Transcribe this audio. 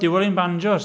Duelling Banjos.